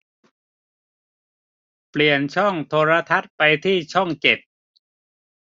เปลี่ยนช่องโทรทัศน์ไปที่ช่องเจ็ด